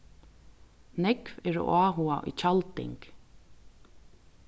nógv eru áhugað í tjalding